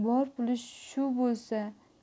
bor puli shu bo'lsa